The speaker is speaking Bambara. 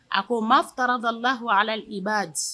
A ko ma taara dɔ lah ala i b'a di